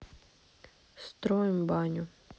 строим баню